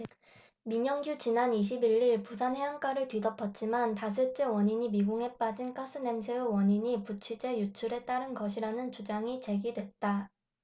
민영규 지난 이십 일 일 부산 해안가를 뒤덮었지만 닷새째 원인이 미궁에 빠진 가스 냄새의 원인이 부취제 유출에 따른 것이라는 주장이 제기됐다